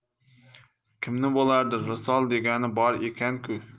kimni bo'lardi risol degani bor ekan ku